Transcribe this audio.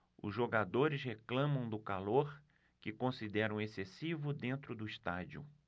os jogadores reclamam do calor que consideram excessivo dentro do estádio